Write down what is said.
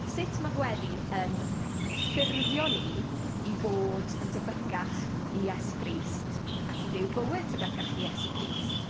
Sut ma' gweddi yn he- ffurfio ni i fod yn debycach i Iesu Grist, ac i fyw bywyd tebycach Iesu Grist?